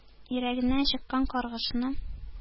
Йөрәгеннән чыккан каргышны.